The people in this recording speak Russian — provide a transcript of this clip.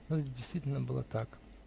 Но это действительно было так.